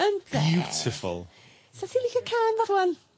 Ynde! Beautiful. Sa ti'n licio cân bach rŵan?